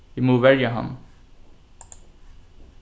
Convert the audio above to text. vit mugu verja hann